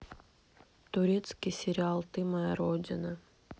турецкий сериал ты моя родина